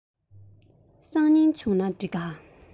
སང ཉིན བྱུང ན འགྲིག ག